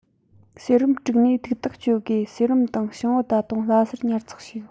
གསེར བུམ དཀྲུགས ནས ཐུགས ཐག གཅོད དགོས གསེར བུམ དང བྱང བུ ད དུང ལྷ སར ཉར ཚགས བྱས ཡོད